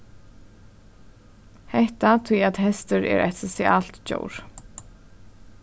hetta tí at hestur er eitt sosialt djór